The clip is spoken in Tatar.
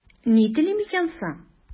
Ни телим икән соң?